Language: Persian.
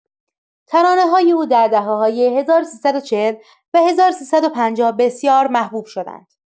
ترانه‌های او در دهه‌های ۱۳۴۰ و ۱۳۵۰ بسیار محبوب شدند.